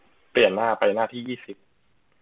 เปลี่ยนหน้าไปหน้าที่ยี่สิบ